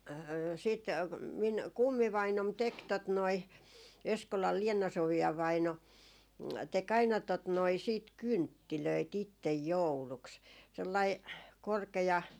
sitten minun kummivainaani teki tuota noin Eskolan Leena Sofia vainaa teki aina tuota noin sitten kynttilöitä itse jouluksi